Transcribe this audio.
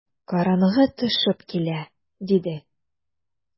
Караңгы төшеп килә, - диде.